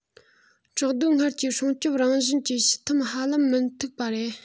བྲག རྡོའི སྔར གྱི སྲུང སྐྱོབ རང བཞིན གྱི ཕྱི ཐུམ ཧ ལམ མི མཐུག པ རེད